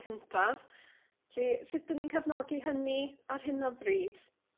cyntaf 'llu sut 'dyn ni'n cefnogi hynny ar hyn o bryd?